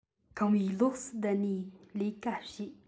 ཁང པའི ནང ལོགས སུ བསྡད ནས ལས ཀ བྱེད